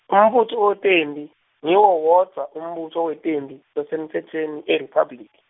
umbutfo wetemphi, ngiwo wodvwa umbutfo wetemphi, losemtsetfweni eRiphabhulikhi.